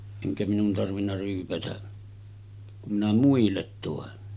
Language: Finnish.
enkä minun tarvinnut ryypätä kun minä muille toin